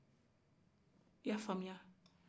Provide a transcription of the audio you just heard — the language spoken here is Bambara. i ye a faamuya